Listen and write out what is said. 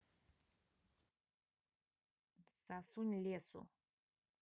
засунь лесу